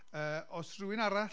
Yy. Oes rywun arall...